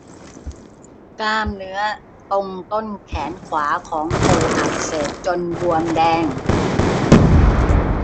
กล้ามเนื้อตรงต้นแขนขวาของปู่อักเสบจนบวมแดง